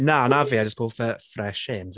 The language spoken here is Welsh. Na na fi. I just go for refreshing.